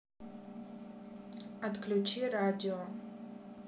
отключи радио